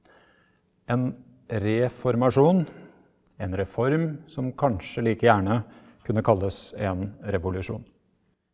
en reformasjon en reform som kanskje like gjerne kunne kalles en revolusjon.